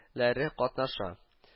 Ләре катнаша